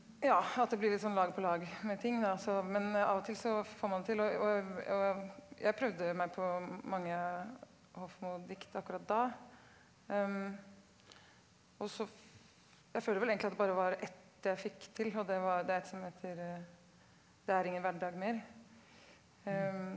ja at det blir litt sånn lag på lag med ting da så men av og til så får man det til og og og jeg prøvde meg på mange Hofmo-dikt akkurat da og så jeg føler vel egentlig at det bare var ett jeg fikk til og det var det er et som heter Det er ingen hverdag mer ,